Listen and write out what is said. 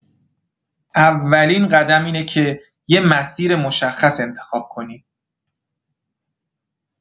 اولین قدم اینه که یه مسیر مشخص انتخاب کنی.